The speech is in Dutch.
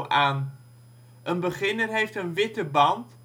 aan; een beginner heeft een witte band